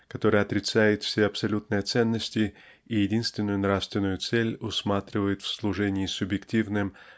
который отрицает все абсолютные ценности и единственную нравственную цель усматривает в служении субъективным